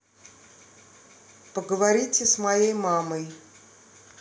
поговорите с моей мамой